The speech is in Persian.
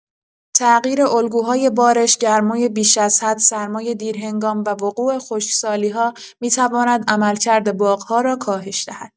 تغییر الگوهای بارش، گرمای بیش از حد، سرمای دیرهنگام و وقوع خشکسالی‌ها می‌تواند عملکرد باغ‌ها را کاهش دهد.